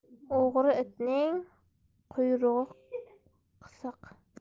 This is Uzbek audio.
o'g'ri itning quyrug'i qisiq